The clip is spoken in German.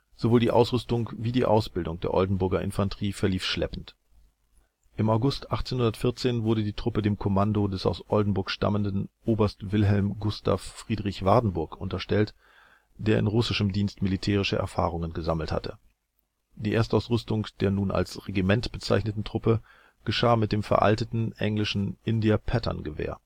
Sowohl die Ausrüstung wie die Ausbildung der " Oldenburger Infanterie " verlief schleppend. Im August 1814 wurde die Truppe dem Kommando des aus Oldenburg stammenden Oberst Wilhelm Gustav Friedrich Wardenburg unterstellt, der in russischem Dienst militärische Erfahrungen gesammelt hatte. Die Erstausrüstung der nun als Regiment bezeichneten Truppe geschah mit dem veralteten englischen India-Pattern-Gewehr